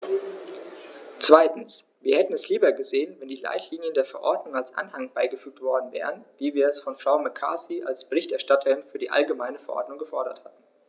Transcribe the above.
Zweitens: Wir hätten es lieber gesehen, wenn die Leitlinien der Verordnung als Anhang beigefügt worden wären, wie wir es von Frau McCarthy als Berichterstatterin für die allgemeine Verordnung gefordert hatten.